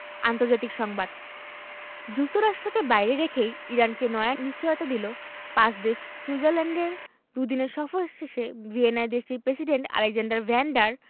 আন্তর্জাতিক সংবাদ যুক্তরাষ্ট্রকে বাইরে রেখেই ইরানকে নয়া নিশ্চয়তা দিল পাঁচ দেশ সুইজারল্যান্ডে দুদিনের সফর শেষে ভিয়েনায় দেশটির প্রেসিডেন্ট আলেক্সান্ডার ভ্যান ডার